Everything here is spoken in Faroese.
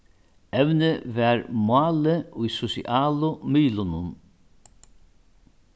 evnið var málið í sosialu miðlunum